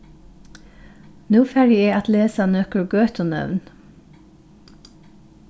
nú fari eg at lesa nøkur gøtunøvn